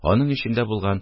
Аның эчендә булган